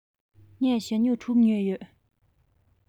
ངས ཞྭ སྨྱུག དྲུག ཉོས ཡོད